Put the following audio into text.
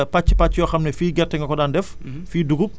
da ciy am ay pàcc-pàcc yoo xam ne fii gerte nga ko daan def